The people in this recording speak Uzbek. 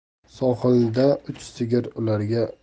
sohilda uch sigir